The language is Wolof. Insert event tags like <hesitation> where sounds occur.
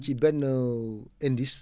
ci benn <hesitation> indice